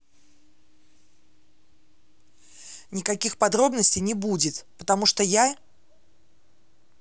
никаких подробностей не будет потому что я